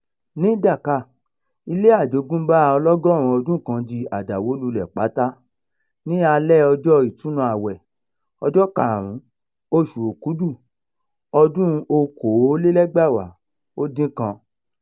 Ní Dhaka, ilé àjogúnbá ọlọ́gọ́rùn-ún ọdún kan di àdàwólulẹ̀ pátá ní alẹ́ ọjọ́ Ìtunu Àwẹ̀ 5, oṣù Òkúdù 2019.